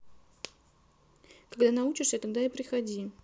когда научишься тогда и приходи